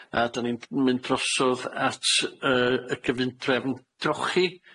a 'dan ni'n mynd drosodd at yy y gyfundrefn drochi.